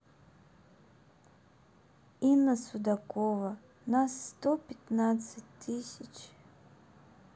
инна судакова нас сто пятьдесят тысяч